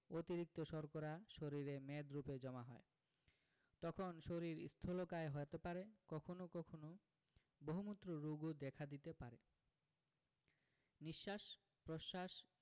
অতিরিক্ত শর্করা শরীরে মেদরুপে জমা হয় তখন শরীর স্থুলকায় হতে পারে কখনো কখনো বহুমূত্র রোগও দেখা দিতে পারে নিঃশ্বাস প্রশ্বাস